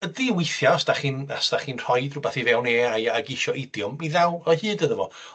Ydi, weithia' os 'dach chi'n os 'dach chi'n rhoid rhwbath i fewn Ay I ag isio idiom, mi ddaw o hyd iddo fo.